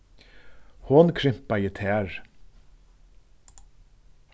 hon krympaði tær